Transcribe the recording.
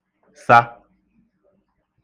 sa